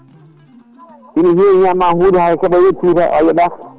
ene heewi ñaama hunde ha heeɓa reedu tuuta a yeeɗaka